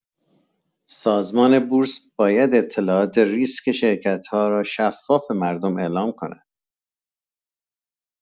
سازمان بورس، باید اطلاعات ریسک شرکت‌ها را شفاف به مردم اعلام کند.